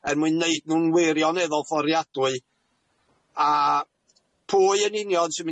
er mwyn neud nw'n wirioneddol fforiadwy a pwy yn union sy'n